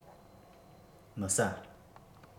མི ཟ